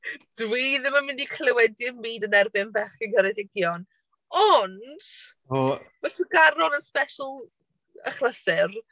Dwi ddim yn mynd i clywed dim byd yn erbyn bechgyn Ceredigion, ond... O. ...ma' Tregaron yn special achlysur.